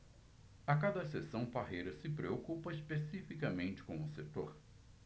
a cada sessão parreira se preocupa especificamente com um setor